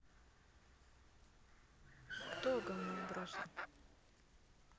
кто говновброса